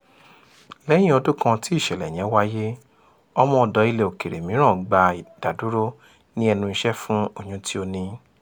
Lẹ́yìn ọdún kan tí ìṣẹ̀lẹ̀ yẹn wáyé, ọmọ-ọ̀dọ̀ ilẹ̀-òkèèrè mìíràn gba ìdádúró ní ẹnu iṣẹ́ fún oyún tí ó ní.